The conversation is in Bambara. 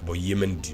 Bon yemɛni